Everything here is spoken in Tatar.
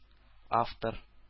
Автор